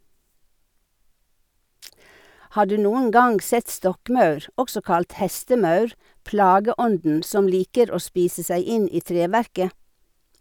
Har du noen gang sett stokkmaur, også kalt hestemaur, plageånden som liker å spise seg inn i treverket?